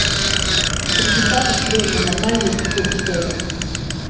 среди папа стрельна нормальные петух что ли